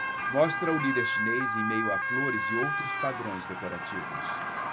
mostra o líder chinês em meio a flores e outros padrões decorativos